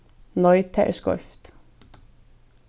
nei tað er skeivt